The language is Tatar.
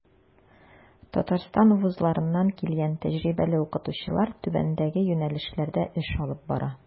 Татарстан вузларыннан килгән тәҗрибәле укытучылар түбәндәге юнәлешләрдә эш алып бара.